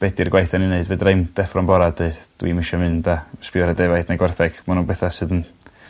be' 'di'r gwaith 'dyn ni'n neud fedrai 'im deffro'n bora a deud dwi'm isio mynd 'da? Sbio ar y defaid neu gwartheg. Ma' nw'n betha sydd 'n